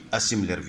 A sigilenri